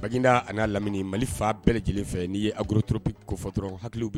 Baginda a na lamini Mali fan bɛɛ lajɛlen fɛ ni agro propice ko fɔ dɔrɔn hakili